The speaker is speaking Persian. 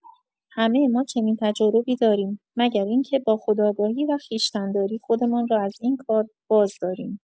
همه ما چنین تجاربی داریم، مگر اینکه با خودآگاهی و خویشتن‌داری خودمان را ازاین کار بازداریم.